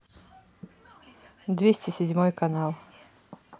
двести седьмой канал